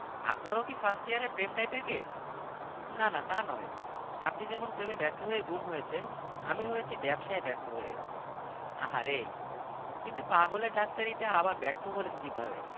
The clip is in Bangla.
কিন্তু কেন কেন আবার পাগলেরা দেশের বড় বড় পদ দখল করে বসে আছে ক্ষমতায় থাকাকালীন জনগণের টাকায় বিদেশে যায় চিকিৎসা নিতে আমাদের চেম্বার খালিই পড়ে থাকে ব্যবসায় ব্যর্থ না হয়ে উপায় কী